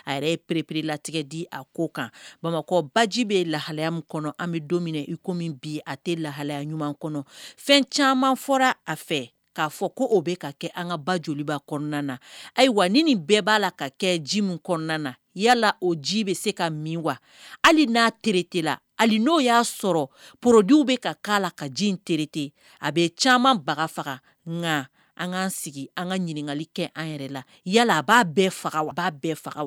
A yɛrɛ ye perepere latigɛ di a ko kan bamakɔ baji bɛ lahalaya min kɔnɔ an bɛ don iko bi a tɛ lahalaya ɲuman kɔnɔ fɛn caman fɔra a fɛ k'a fɔ ko o bɛ ka kɛ an ka ba joliba kɔnɔna na ayiwa ni ni bɛɛ b'a la ka kɛ jiumu kɔnɔna na yala o ji bɛ se ka min wa hali n'a tte la hali n'o y'a sɔrɔ porodiw bɛ ka' la ka ji terite a bɛ caman baga faga nka anan sigi an ka ɲininkakali kɛ an yɛrɛ la yala a b'a bɛɛ faga b bɛɛ faga